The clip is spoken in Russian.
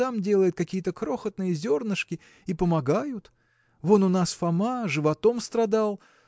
сам делает какие-то крохотные зернышки – и помогают. Вон у нас Фома животом страдал